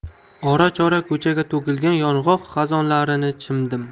ora chora ko'chaga to'kilgan yong'oq xazonlarini chimdib